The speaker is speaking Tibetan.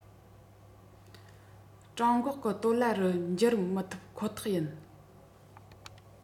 གྲང འགོག གི སྟོད ལྭ རུ འགྱུར མི ཐུབ ཁོ ཐག ཡིན